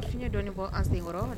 F fiɲɛinɛ dɔn fɔ an sen kɔrɔ